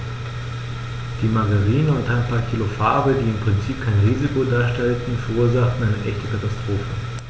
Die Margarine und ein paar Kilo Farbe, die im Prinzip kein Risiko darstellten, verursachten eine echte Katastrophe.